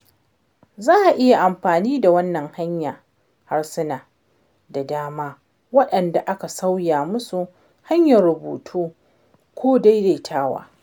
Za a iya amfani da wannan hanya a harsuna da dama waɗanda aka sauya musu hanyar rubutu ko daidaitawa.